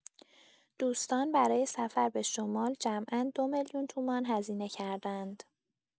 دوستان برای سفر به شمال جمعا دو میلیون تومان هزینه کردند.